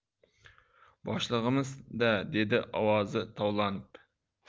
boshlig'imiz da dedi ovozi tovlanib